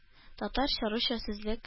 Татарча-русча сүзлек